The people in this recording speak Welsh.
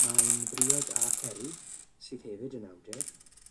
Mae'n briod â Ceri, sydd hefyd yn awdur,